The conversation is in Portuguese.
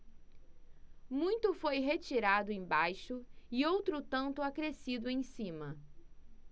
muito foi retirado embaixo e outro tanto acrescido em cima